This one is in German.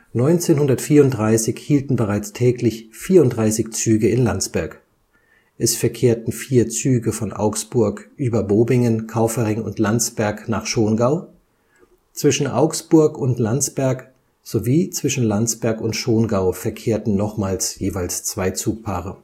1934 hielten bereits täglich 34 Züge in Landsberg. Es verkehrten vier Züge von Augsburg über Bobingen, Kaufering und Landsberg nach Schongau, zwischen Augsburg und Landsberg sowie zwischen Landsberg und Schongau verkehrten nochmals jeweils zwei Zugpaare